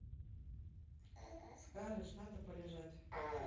скажешь надо полежать